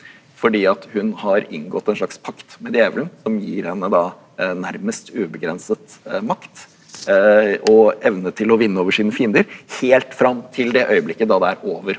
fordi at hun har inngått en slags pakt med djevelen som gir henne da nærmest ubegrenset makt og evne til å vinne over sine fiender helt fram til det øyeblikket da det er over.